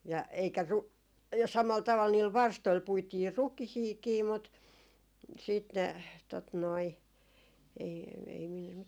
ja eikä - ja samalla tavalla niillä varstoilla puitiin rukiitakin mutta sitten ne tuota noin ei ei minun